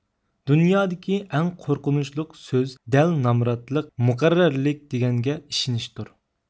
دۇنيادىكى ئەڭ قورقۇنچلۇق سۆز دەل نامراتلىق مۇقەررەرلىك دېگەنگە ئىشىنىشتۇر